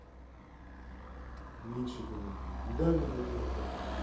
меньше говорить не дай мне бутылку